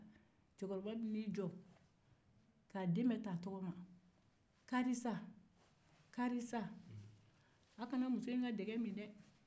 cɛkɔrɔba bɛna i jɔ k'a den bɛɛ ta a tɔgɔma karisa karisa a kana muso in ka dɛgɛ min dɛɛ